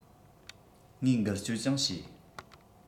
ངས འགུལ སྐྱོད ཀྱང བྱས